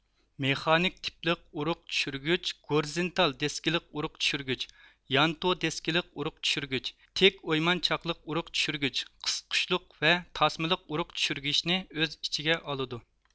مېخانىك تىپلىق ئۇرۇق چۈشۈرگۈچ گورىزۇنتال دىسكىلىق ئۇرۇق چۈشۈرگۈچ يانتۇ دېسكىلىق ئۇرۇق چۈشۈرگۈچ تىك ئويمان چاقلىق ئۇرۇق چۈشۈرگۈچ قىسقۇچلۇق ۋە تاسمىلىق ئۇرۇق چۈشۈرگۈچنى ئۆز ئىچىگە ئالىدۇ